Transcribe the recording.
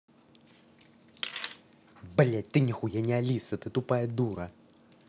блядь ты нихуя не алиса ты тупая дура